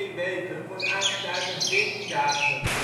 weken wordt aangeduid met: veertien dagen